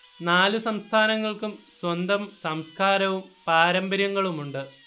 നാലു സംസ്ഥാനങ്ങൾക്കും സ്വന്തം സംസ്കാരവും പാരമ്പര്യങ്ങളുമുണ്ട്